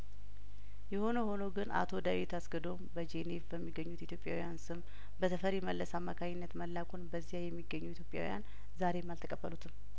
የሆነ ሆኖ ግን አቶ ዳዊት አስገዶም በጄኔቭ በሚገኙት ኢትዮጵያዊያን ስም በተፈሪ መለስ አማካኝነት መላኩን በዚያ የሚገኙ ኢትዮጵያዊያን ዛሬም አልተቀበሉትም